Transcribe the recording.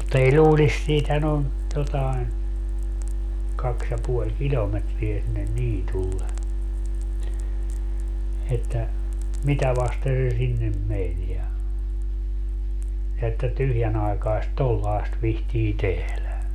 mutta ei luulisi siitähän on jotakin kaksi ja puoli kilometriä sinne niitylle että mitä vasten se sinne meni ja ja että tyhjänaikaista tuollaista viitsii tehdä